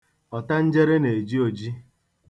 Ọtanjele na-eji oji.